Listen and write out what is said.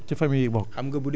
mais mun nañu ko tënk rek